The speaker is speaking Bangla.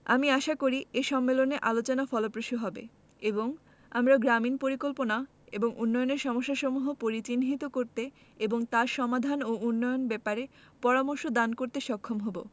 আমি আশা করি এ সম্মেলনে আলোচনা ফলপ্রসূ হবে এবং আমরা গ্রামীন পরিকল্পনা এবং উন্নয়নের সমস্যাসমূহ পরিচিহ্নিত করতে এবং তার সমাধান ও উন্নয়ন ব্যাপারে পরামর্শ দান করতে সক্ষম হবো